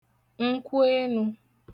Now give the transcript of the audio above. nkwụenū